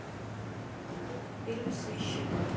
фильм сыщик